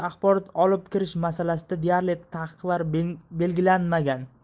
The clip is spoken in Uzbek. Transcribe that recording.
axborot olib kirish masalasida deyarli ta'qiqlar belgilanmagan